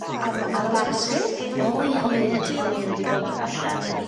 Ar ym-... Ar ymarfer dysgu o'n ni. O ia wir? O'n i wedi bod allan